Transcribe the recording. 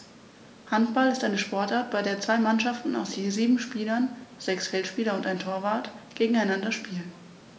Handball ist eine Sportart, bei der zwei Mannschaften aus je sieben Spielern (sechs Feldspieler und ein Torwart) gegeneinander spielen.